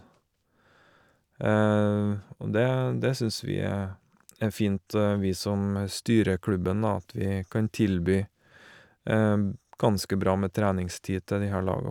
Og det det syns vi er er fint, vi som styrer klubben, da, at vi kan tilby ganske bra med treningstid til de her laga.